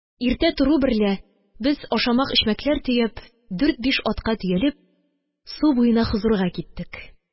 Иртә тору берлә без, ашамак-эчмәкләр төяп, дүртбиш атка төялеп, су буена хозурга киттек